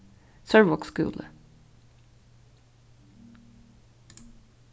sørvágs skúli